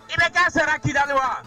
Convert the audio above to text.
I bɛ kɛ sara kidali wa